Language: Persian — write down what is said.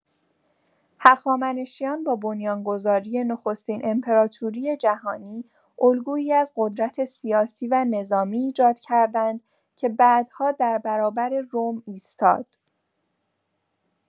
هخامنشیان با بنیان‌گذاری نخستین امپراتوری جهانی، الگویی از قدرت سیاسی و نظامی ایجاد کردند که بعدها در برابر روم ایستاد.